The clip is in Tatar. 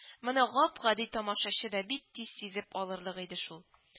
Моны гап-гади тамашачы да бик тиз сизеп алырлык иде шул